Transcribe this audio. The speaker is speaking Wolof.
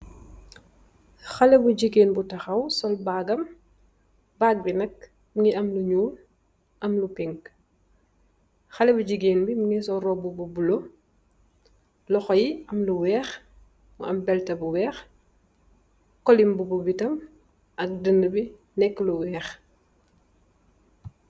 Haleh bu jegain bu tahaw sol bagam bag be nak muge am lu njol am lu pink haleh bu jegain be muge sol roubu bu bluelo lohou ye am lu weehe mu am belta bu weehe kule mubu be tam ak danabe neka lu weehe.